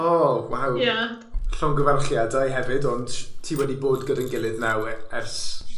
Oh, waw. Ie. Llongyfarchiadau hefyd, ond ti wedi bod gyda'n gilydd naw' e- ers...